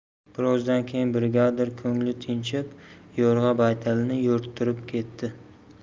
birozdan keyin brigadir ko'ngli tinchib yo'rg'a baytalini yo'rttirib ketdi